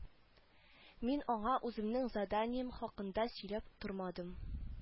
Мин аңа үземнең заданием хакында сөйләп тормадым